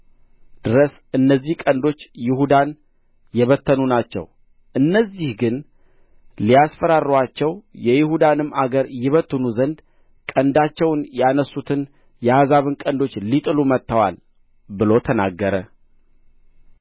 ድረስ እነዚህ ቀንዶች ይሁዳን የበተኑ ናቸው እነዚህ ግን ሊያስፈራሩአቸው የይሁዳንም አገር ይበትኑ ዘንድ ቀንዳቸውን ያነሡትን የአሕዛብን ቀንዶች ሊጥሉ መጥተዋል ብሎ ተናገረ